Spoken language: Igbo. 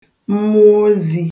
mmụọ̀ozī